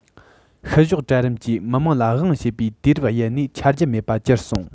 བཤུ གཞོག གྲལ རིམ གྱིས མི དམངས ལ དབང བྱེད པའི དུས རབས ཡལ ནས འཆར རྒྱུ མེད པ གྱུར སོང